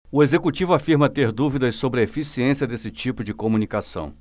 o executivo afirma ter dúvidas sobre a eficiência desse tipo de comunicação